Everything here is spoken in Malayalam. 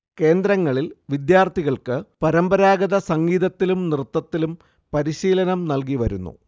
കേന്ദ്രങ്ങളിൽ വിദ്യാർഥികൾക്ക് പരമ്പരാഗത സംഗീതത്തിലും നൃത്തത്തിലും പരിശീലനം നൽകിവരുന്നു